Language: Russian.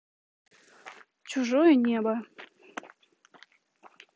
чужое небо